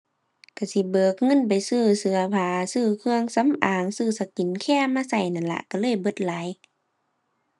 ก็สิเบิกเงินไปซื้อเสื้อผ้า ซื้อเครื่องสำอาง ซื้อ skincare มาก็นั่นล่ะ ก็เลยเบิดหลาย